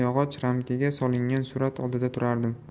yog'och ramkaga solingan surat oldida turardim